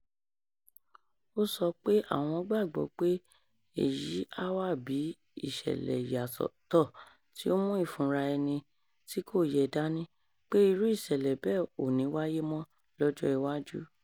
Ó sọ pé àwọn “gbàgbọ́ pé èyí á wà bí ìṣẹ̀lẹ̀ ìyàsọ́tọ̀ tí ó mú ìfura ẹni tí kò yẹ dání pé irú ìṣẹ̀lẹ̀ bẹ́ẹ̀ ò ní wáyé mọ́ lọ́jọ́ iwájú.